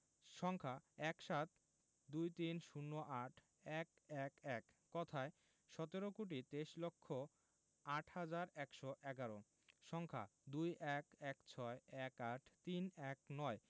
সংখ্যাঃ ১৭ ২৩ ০৮ ১১১ কথায়ঃ সতেরো কোটি তেইশ লক্ষ আট হাজার একশো এগারো সংখ্যাঃ ২১ ১৬ ১৮ ৩১৯